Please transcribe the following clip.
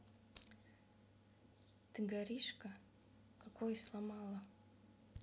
ты горишь ка какой сломала